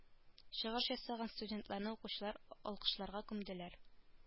Чыгыш ясаган студентларны укучылар алкышларга күмделәр